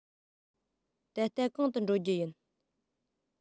ད ལྟ གང དུ འགྲོ རྒྱུ ཡིན